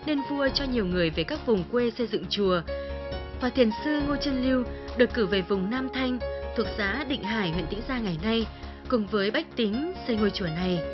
nên vua cho nhiều người về các vùng quê xây dựng chùa và thiền sư ngô chân lưu được cử về vùng nam thanh thuộc xã định hải huyện tĩnh gia ngày nay cùng với bách tính thì ngôi chùa này